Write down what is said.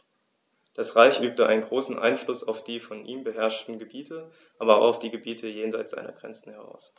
Das Reich übte einen großen Einfluss auf die von ihm beherrschten Gebiete, aber auch auf die Gebiete jenseits seiner Grenzen aus.